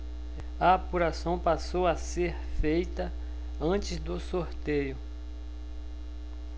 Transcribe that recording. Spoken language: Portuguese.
a apuração passou a ser feita antes do sorteio